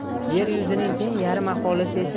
yer yuzining teng yarim aholisi